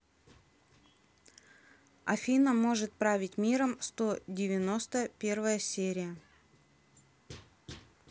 афина может править миром сто девяносто первая серия